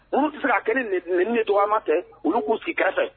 Olu tɛ se' kɛ ni dɔgɔma kɛ olu k'u si kɛrɛfɛ